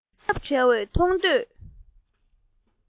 ཤོང ཐབས བྲལ བའི མཐོང ཐོས